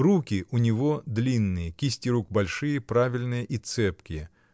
Руки у него длинные, кисти рук большие, правильные и цепкие.